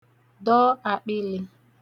dọ ākpị̄lị̄